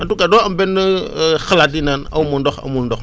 en tout cas doo am benn xalaat di naan aw ma woon ndox amul ndox